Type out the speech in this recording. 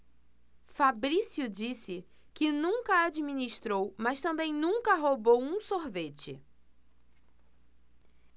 fabrício disse que nunca administrou mas também nunca roubou um sorvete